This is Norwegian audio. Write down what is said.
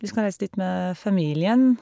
Vi skal reise dit med familien.